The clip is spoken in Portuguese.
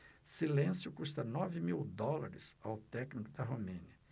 silêncio custa nove mil dólares ao técnico da romênia